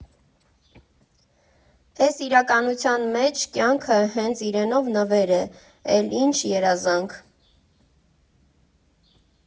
Էս իրականության մեջ ենք, կյանքը հենց իրենով նվեր է, էլ ի՞նչ երազանք։